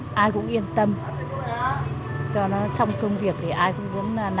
ai cũng yên tâm cho nó xong công việc thì ai cũng muốn làm